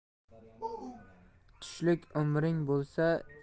tushlik umring bo'lsa